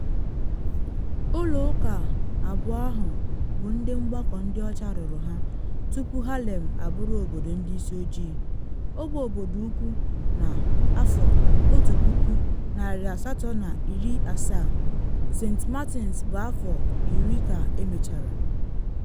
Ụlọ ụka abụọ ahụ bụ ndị mgbakọ ndị ọcha rụrụ ha tupu Harlem abụrụ obodo ndị isi ojii - Ogbe Obodo Ukwuu na 1870, St. Martin bụ afọ iri ka emechara.